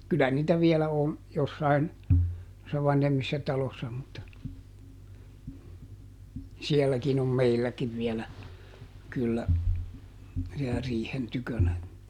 kyllä niitä vielä on jossakin noissa vanhemmissa taloissa mutta sielläkin on meilläkin vielä kyllä siellä riihen tykönä